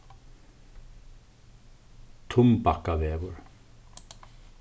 tumbakkavegur